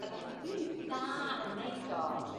a 'dach chi'n rili da yn neud o.